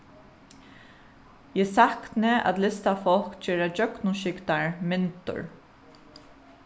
eg sakni at listafólk gera gjøgnumskygdar myndir